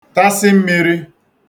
tasị mmīrī